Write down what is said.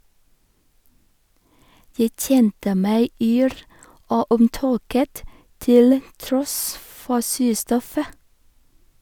Jeg kjente meg yr og omtåket til tross for surstoffet.